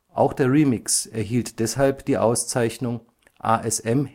Auch der Remix erhielt deshalb die Auszeichnung „ ASM